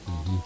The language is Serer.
hum